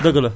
dëgg la